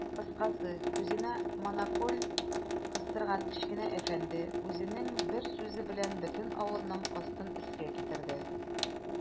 Кыскасы, күзенә монокль кыстырган кечкенә әфәнде үзенең бер сүзе белән бөтен авылның астын-өскә китерде.